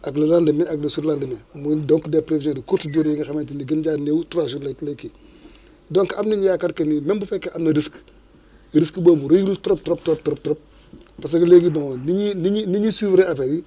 ak le lendemain ak le surlendemain muy donc des prévisions de courtes durée yi nga xamante ne bi gën gaa néew trois jours lay lay kii donc am nañu yaakaar que ni même bu fekkee am na risque risque boobu rëyul trop trop trop parce que léegi bon ni ñuy ni ñuy ni ñuy suivre affaire yi